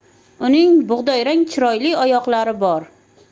uning bug'doyrang chiroyli oyoqlari bor